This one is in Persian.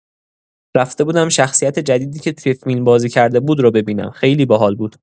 رفته بودم شخصیت جدیدی که توی فیلم بازی کرده بود رو ببینم، خیلی باحال بود!